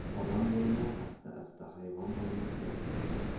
odam bo'lmoq asta asta hayvon bo'lmoq bir pasda